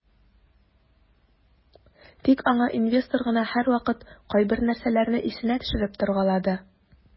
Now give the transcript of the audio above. Тик аңа инвестор гына һәрвакыт кайбер нәрсәләрне исенә төшереп торгалады.